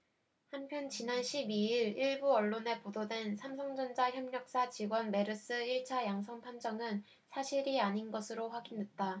한편 지난 십 이 일 일부 언론에 보도된 삼성전자 협력사 직원 메르스 일 차 양성판정은 사실이 아닌 것으로 확인됐다